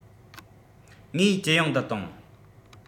ངེས ཇེ ཡང དུ བཏང